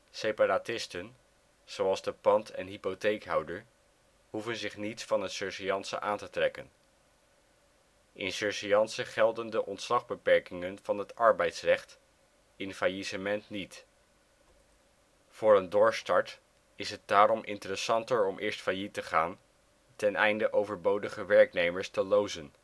Separatisten, zoals de pand - en hypotheekhouder, hoeven zich niets van een surseance aan te trekken. In surseance gelden de ontslagbeperkingen van het arbeidsrecht, in faillissement niet. Voor een doorstart is het daarom interessanter om eerst failliet te gaan, teneinde overbodige werknemers te lozen